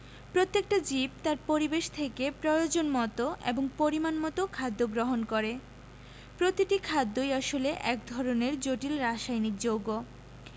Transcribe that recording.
প্রত্যেকটা জীব তার পরিবেশ থেকে প্রয়োজনমতো এবং পরিমাণমতো খাদ্য গ্রহণ করে প্রতিটি খাদ্যই আসলে এক ধরনের জটিল রাসায়নিক যৌগ